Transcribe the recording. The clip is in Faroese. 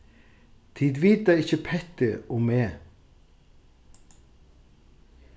tit vita ikki petti um meg